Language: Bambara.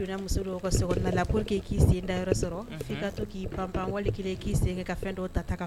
Ni donna muso dɔw ka so kɔnɔna na Pour que ki sen da yɔrɔ sɔrɔ, Unhun, f'i ka to k'i panpan wali kelen k'i sen kɛ ka fɛn dɔ ta, ta ka